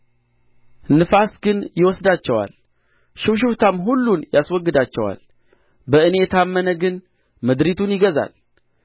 ንፋስ ግን ይወስዳቸዋል ሽውሽውታም ሁሉን ያስወግዳቸዋል በእኔ የታመነ ግን ምድሪቱን ይገዛል